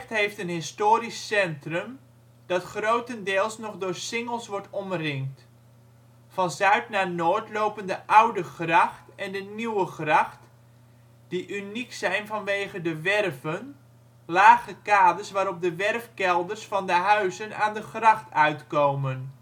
heeft een historisch centrum, dat grotendeels nog door singels wordt omringd. Van zuid naar noord lopen de Oudegracht en de Nieuwegracht, die uniek zijn vanwege de werven, lage kades waarop de werfkelders van de huizen aan de gracht uitkomen